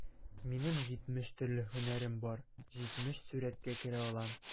Минем җитмеш төрле һөнәрем бар, җитмеш сурәткә керә алам...